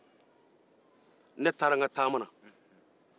ne taara n ka taama na